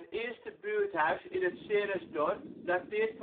eerste buurthuis in het Ceresdorp dateert van 1929